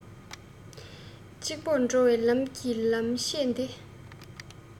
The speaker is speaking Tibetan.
གཅིག པོར འགྲོ བའི ལམ གྱི ལམ ཆས འདི